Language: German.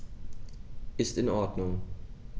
Ist in Ordnung.